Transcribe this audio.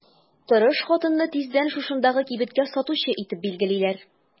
Тырыш хатынны тиздән шушындагы кибеткә сатучы итеп билгелиләр.